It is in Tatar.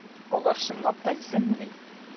Алар чынлап та исәнмени?